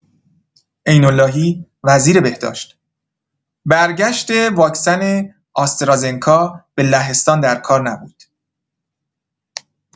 عین‌اللهی وزیربهداشت: برگشت واکسن آسترازنکا به لهستان در کار نبود.